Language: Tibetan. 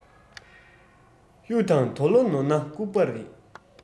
གཡུ དང དོ ལོ ནོར ན ལྐུགས པ རེད